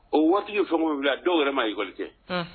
O waritigiw fɛn o fɛn wilila a dɔw yɛrɛ ma école kɛ, Un.